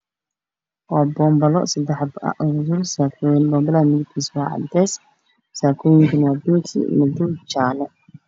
Waa seddex xabo oo boonbalo ah waxaa kujiro saakooyin. Boonbalaha midabkiisu waa cadeys, saakooyin midabkoodu bingi, madow iyo jaale.